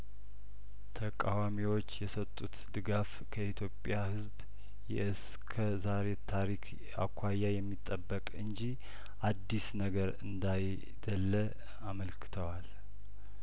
ተቃዋሚዎች የሰጡት ድጋፍ ከኢትዮጵያ ህዝብ የእስከዛሬ ታሪክ አኳያ የሚጠበቅ እንጂ አዲስ ነገር እንዳይደለ አመልክተዋል